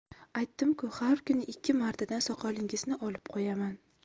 aytdim ku har kuni ikki martadan soqolingizni olib qo'yaman